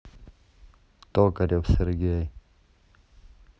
токарев сергей